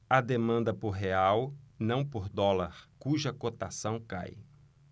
há demanda por real não por dólar cuja cotação cai